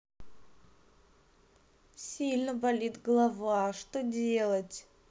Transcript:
сильно болит голова что делать